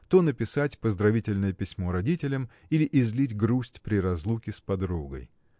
то написать поздравительное письмо родителям или излить грусть при разлуке с подругой.